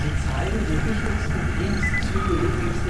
zeigen die wichtigsten Kriegszüge Ludwigs